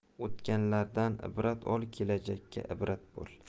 o'tganlardan ibrat ol kelajakka ibrat bo'l